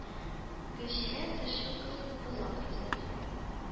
Гөлчирә теш щеткасын озак эзләп йөрде.